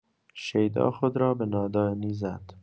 شیدا خود را به نادانی زد.